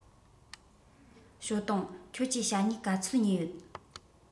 ཞའོ ཏུང ཁྱོད ཀྱིས ཞྭ སྨྱུག ག ཚོད ཉོས ཡོད